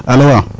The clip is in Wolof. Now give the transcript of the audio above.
allo waaw